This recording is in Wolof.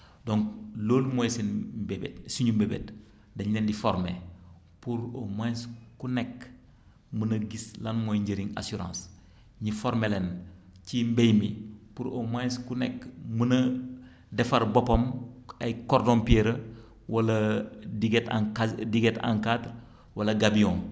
donc loolu mooy seen mbébét suñu mbébét dañ leen di former pour au moins ku nekk mën a gis lan mooy njëriñ assuarance ñu former leen ci mbay mi pour au moins ku nekk mën a defar boppam ay cordon pierreux wala diguette en case diguette en cadre wala gabion